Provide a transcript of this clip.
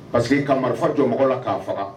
Basi que ka marifa jɔmɔgɔ la k'a faga